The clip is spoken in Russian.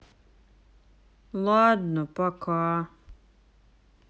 ладно пока